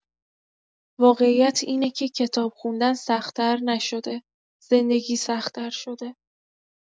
واقعیت اینه که کتاب خوندن سخت‌تر نشده، زندگی سخت‌تر شده.